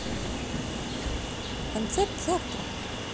концерт завтра